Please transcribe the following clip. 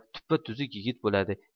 tuppa tuzzuk yigit bo'ladi